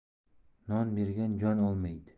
non bergan jon olmaydi